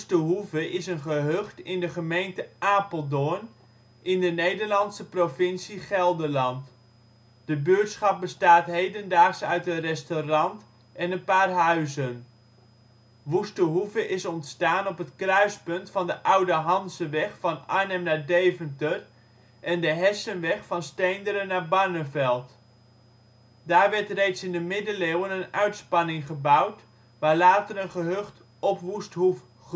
Hoeve is een gehucht in de gemeente Apeldoorn, in de Nederlandse provincie Gelderland. De buurtschap bestaat hedendaags uit een restaurant en een paar huizen. Oversteekplaats voor wild Woeste Hoeve is ontstaan op het kruispunt van de oude Hanzeweg van Arnhem naar Deventer en de hessenweg van Steenderen naar Barneveld. Daar werd reeds in de Middeleeuwen een uitspanning gebouwd, waar later een gehucht " op Woest Hoef " groeide